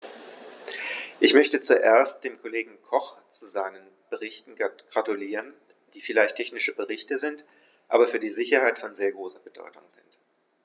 Ich möchte zuerst dem Kollegen Koch zu seinen Berichten gratulieren, die vielleicht technische Berichte sind, aber für die Sicherheit von sehr großer Bedeutung sind.